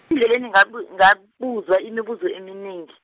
Endleleni ngabu- ngabuzwa, imibuzo eminengi.